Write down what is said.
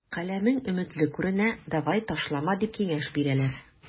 Каләмең өметле күренә, давай, ташлама, дип киңәш бирәләр.